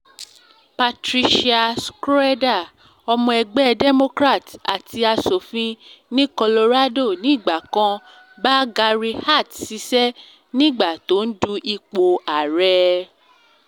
Patricia Schroeder, ọmọ ẹgbẹ́ Democrat àti aṣòfin ní Colorado nígbà kan, bá Gary Hart ṣiṣẹ́ nígbà tó n du ipò ààrẹ.